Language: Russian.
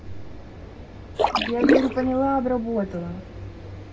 я говорю поняла обработала